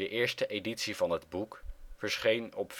eerste editie van het boek verscheen op